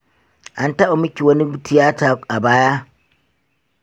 an taba miki wani tiyata a baya?